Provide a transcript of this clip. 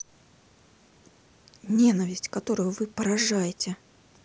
ненависть которую вы поражаете